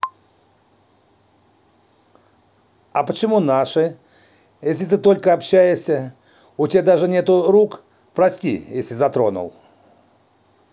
а почему наши если ты только общаешься у тебя даже нету рук прости если затронул